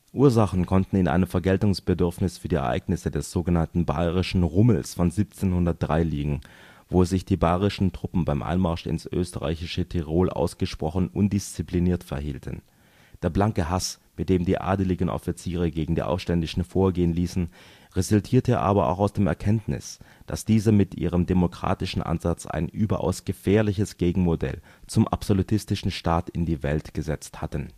Ursachen können in einem Vergeltungsbedürfnis für die Ereignisse des sogenannten Bayrischen Rummels von 1703 liegen, wo sich die bayerischen Truppen beim Einmarsch ins österreichische Tirol ausgesprochen undiszipliniert verhielten. Der blanke Hass, mit dem die adeligen Offiziere gegen die Aufständischen vorgehen ließen, resultierte aber auch aus der Erkenntnis, dass diese mit ihrem demokratischen Ansatz ein überaus gefährliches Gegenmodell zum absolutistischen Staat in die Welt gesetzt hatten